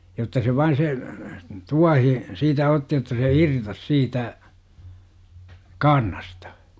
jotta se vain se tuohi siitä otti jotta se irtosi siitä kaarnasta